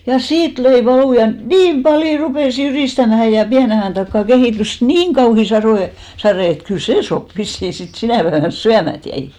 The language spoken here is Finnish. ja siitä löi valu ja niin paljon rupesi jyristämään ja pienen ajan takaa kehittyi niin kauhea sado sade että kyllä se soppa vissiin sitten sinä päivänä syömättä jäi